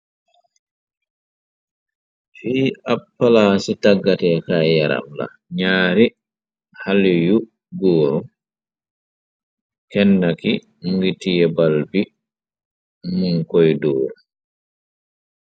Ciy abpala ci tàggatekay yaram la, ñaari xali yu guur, kenna ki ngitiyébal bi, mun koy duur.